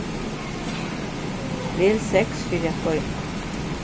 vel seks fyri at goyma